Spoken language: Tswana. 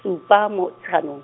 supa Motsheganong.